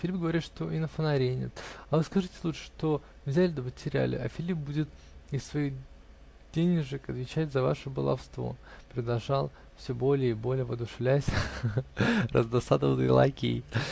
-- Филипп говорит, что и на фонаре нет, а вы скажите лучше, что взяли да потеряли, а Филипп будет из своих денежек отвечать за ваше баловство, -- продолжал, все более и более воодушевляясь, раздосадованный лакей.